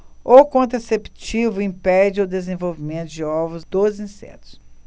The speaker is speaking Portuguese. o contraceptivo impede o desenvolvimento de ovos dos insetos